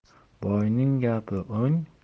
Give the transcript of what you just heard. boyning gapi o'ng